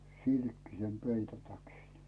silkkisen peiton täkin